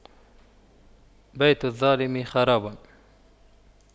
بيت الظالم خراب